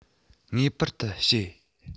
ངེས པར དུ བཤད